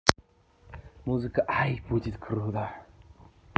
музыка ай будет круто